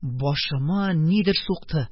Башыма нидер сукты,